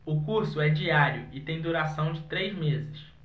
o curso é diário e tem duração de três meses